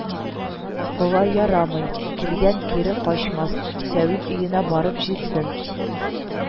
– болай ярамый, килгән кире качмас, сәвит өенә барып җитсен